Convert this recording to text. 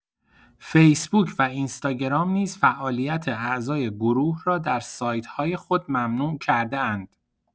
فیسبوک و اینستاگرام نیز فعالیت اعضای گروه را در سایت‌های خود ممنوع کرده‌اند.